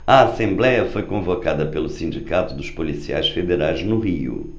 a assembléia foi convocada pelo sindicato dos policiais federais no rio